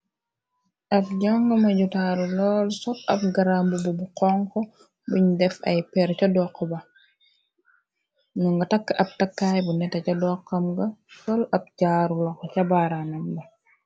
ak jong ma jutaaru lool sot ab garamb bu bu xonk buñu def ay per ca dokq ba nu nga tàkk ab takkaay bu nete ca doqam ga sol ab jaaru loxo ca baaranam ba